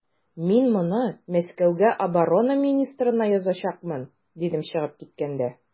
Мин моны Мәскәүгә оборона министрына язачакмын, дидем чыгып киткәндә.